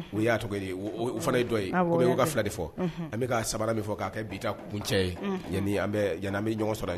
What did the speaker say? U y'a to ye fana ye dɔ ye' ka fila de fɔ an bɛ ka sabanan min fɔ k'a kɛ bi kun cɛ ye an an bɛ ɲɔgɔn sɔrɔ